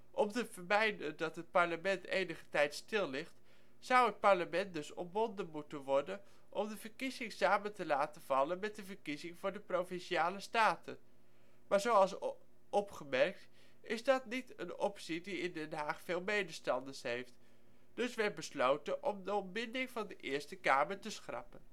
Om te vermijden dat het parlement enige tijd stilligt, zou het parlement dus ontbonden moeten worden om de verkiezing samen te laten vallen met de verkiezingen voor de Provinciale Staten. Maar zoals al opgemerkt, is dat niet een optie die in Den Haag veel medestanders heeft. Dus werd besloten om de ontbinding van de Eerste Kamer te schrappen